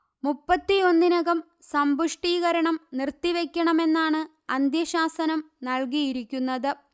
മുപ്പത്തിയൊന്നിനകം സമ്പുഷ്ടീകരണം നിർത്തിവെക്കണമെന്നാണ് അന്ത്യശാസനം നല്കിയിരിക്കുന്നത്